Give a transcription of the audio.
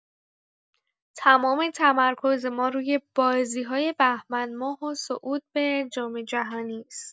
تمام تمرکز ما روی بازی‌های بهمن‌ماه و صعود به جام‌جهانی است.